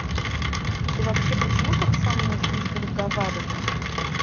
ты вообще почему так со мной с сучкой разговариваешь